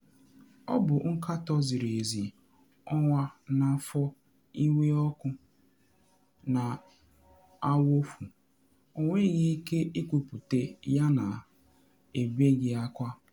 Ọ bụ nkatọ ziri ezi, ọnwa na afọ iwe ọkụ na awofu, ọ nweghị ike ikwupute ya na ebeghị akwa.